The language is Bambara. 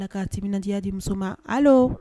Ala ka tidenyadiya diba hali